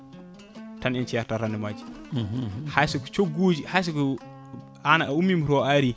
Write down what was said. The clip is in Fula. tan en certat rendement aji haysoko cogguji haysoko an a ummima to a aari